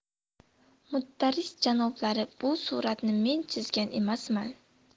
mudarris janoblari bu suratni men chizgan emasmen